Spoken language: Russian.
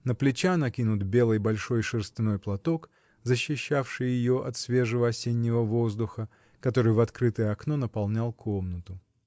На плеча накинут был большой шерстяной платок, защищавший ее от свежего осеннего воздуха, который в открытое окно наполнял комнату.